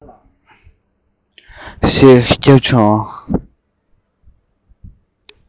སྐར མ ཤར འདྲ ཞིག བརྒྱབ བྱུང